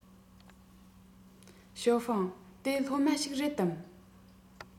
ཞའོ ཧྥུང དེ སློབ མ ཞིག རེད དམ